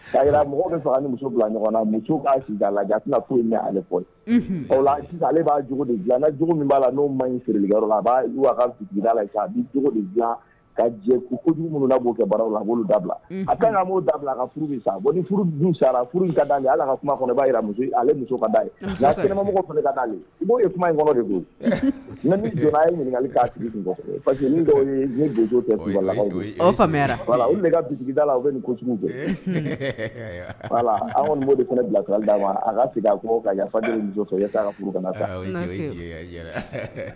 Mɔgɔ muso bila ɲɔgɔn muso'a sunjata ale ale b'a min b'a la n'o ma siriyɔrɔ la b' la ka jɛ jugu'o kɛ bara la' dabila a da a sa sa da ala ka kuma b'a jira ale muso ka kɛnɛmamɔgɔale i'o ye kuma de ye ɲininkaseke donso kada la u bɛ nin kɛ an de bilasira'a ma a ka sigi ka yafa